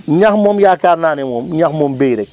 ñax moom yaakaar naa ne moom ñax moom béy rek